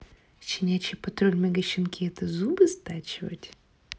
щенячий патруль мегащенки это зубы стачивать